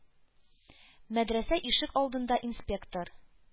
Мәдрәсә ишек алдында инспектор